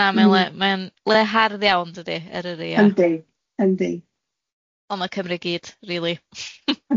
Na mae o'n le mae o'n le hardd iawn dydi, Eryri a... Yndi yndi... Ond ma' Cymru i gyd, rili.